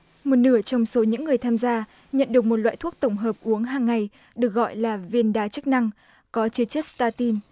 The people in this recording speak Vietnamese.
một nửa trong số những người tham gia nhận được một loại thuốc tổng hợp uống hằng ngày được gọi là viên đa chức năng có chứa chất xờ ta tin